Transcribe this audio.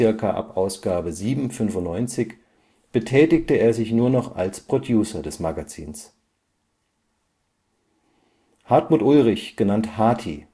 Später (ab 07/95) betätigte er sich nur noch als Producer des Magazins. Hartmut „ Harti